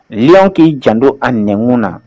k'i janto a nkun na